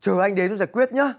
chờ anh đến rồi giải quyết nhá